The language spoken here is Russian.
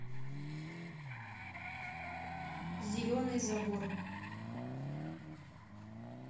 зеленый забор